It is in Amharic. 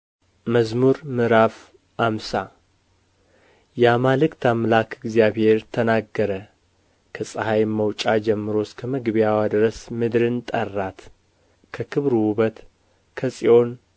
መዝሙር ሃምሳ የአማልክት አምላክ እግዚአብሔር ተናገረ ከፀሓይም መውጫ ጀምሮ እስከ መግቢያዋ ድረስ ምድርን ጠራት ከክብሩ ውበት ከጽዮን